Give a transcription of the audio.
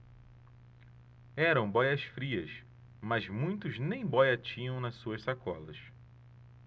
eram bóias-frias mas muitos nem bóia tinham nas suas sacolas